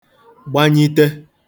gbanyite